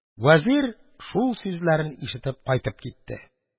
Вәзир шул сүзләрне ишетеп кайтып китте.